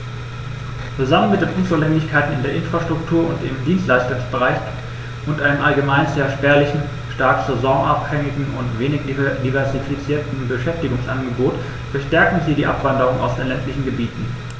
Zusammen mit den Unzulänglichkeiten in der Infrastruktur und im Dienstleistungsbereich und einem allgemein sehr spärlichen, stark saisonabhängigen und wenig diversifizierten Beschäftigungsangebot verstärken sie die Abwanderung aus den ländlichen Gebieten.